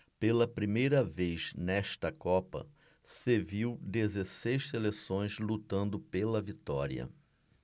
pela primeira vez nesta copa se viu dezesseis seleções lutando pela vitória